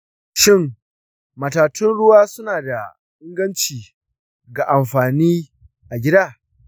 shin matatun ruwa suna da inganci ga amfani a gida?